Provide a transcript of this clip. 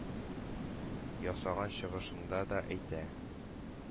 Ясаган чыгышында да әйтә.